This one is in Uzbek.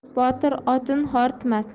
botir otin horitmas